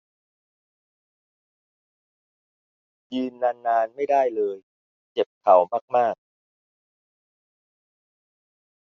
ยืนนานนานไม่ได้เลยเจ็บเข่ามากมาก